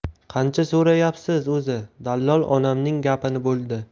qancha so'rayapsiz o'zi dallol onamning gapini bo'ldi